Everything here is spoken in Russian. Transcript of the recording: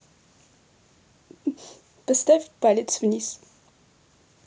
поставь палец вниз